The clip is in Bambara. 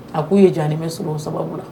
A k ko'u ye janani bɛ so o sababu la